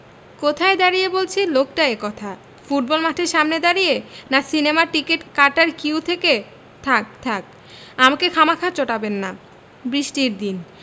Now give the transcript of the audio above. কোথায় দাঁড়িয়ে বলছে লোকটা এ কথা ফুটবল মাঠের সামনে দাঁড়িয়ে না সিনেমার টিকিট কাটার কিউ থেকে থাক্ থাক্ আমাকে খামাখা চটাবেন না বৃষ্টির দিন